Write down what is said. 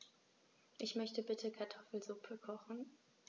Ich möchte bitte Kartoffelsuppe kochen.